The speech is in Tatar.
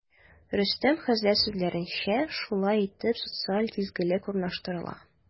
Рөстәм хәзрәт сүзләренчә, шулай итеп, социаль тигезлек урнаштырыла.